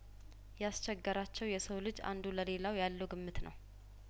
ያስ ቸገራቸው የሰው ልጅ አንዱ ለሌላው ያለው ግምት ነው